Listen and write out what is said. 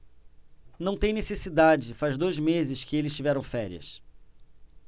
não tem necessidade faz dois meses que eles tiveram férias